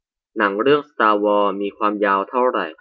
หนังเรื่องสตาร์วอร์มีความยาวเท่าไหร่